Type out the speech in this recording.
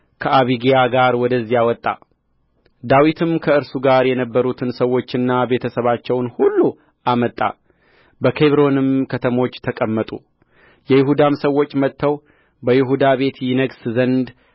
ከአቢግያ ጋር ወደዚያ ወጣ ዳዊትም ከእርሱ ጋር የነበሩትን ሰዎችና ቤተ ሰባቸውን ሁሉ አመጣ በኬብሮንም ከተሞች ተቀመጡ የይሁዳም ሰዎች መጥተው በይሁዳ ቤት ይነግሥ ዘንድ